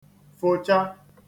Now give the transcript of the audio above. -fòcha